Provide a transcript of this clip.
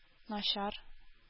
Начар